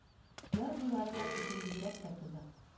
Яр буйларында кышын бигрәк тә кызык